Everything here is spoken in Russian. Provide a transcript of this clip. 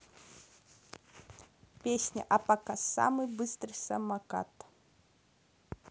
песня а пока самый быстрый самокат